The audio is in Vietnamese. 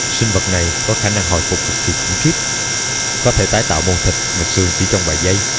sinh vật này có khả năng hồi phục cực kỳ khủng khiếp có thể tái tạo mô thịt và xương chỉ trong vài giây